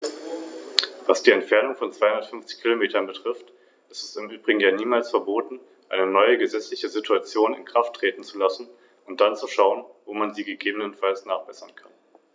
Angesichts der jüngsten Naturkatastrophen möchte ich doch noch auf die Verwendung der Strukturfondsmittel eingehen.